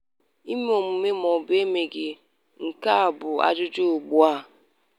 Ime emume mọọbụ emeghị, nke ahụ bụ ajụjụ ugbua.